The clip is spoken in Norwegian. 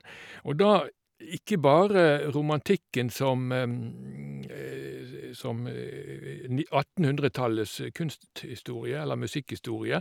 Og da ikke bare romantikken som som ni attenhundretallets kunsthistorie eller musikkhistorie.